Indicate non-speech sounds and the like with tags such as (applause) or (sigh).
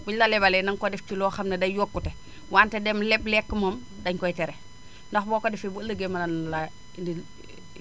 bu ñu la lebalee na nga ko def ci lu loo xam ne day yokkute wante dem leb lekk moom dañu koy tere ndax boo ko defee bu ëllëgee mën na laa indil (hesitation)